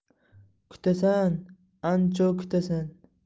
kutasan ancho kutasan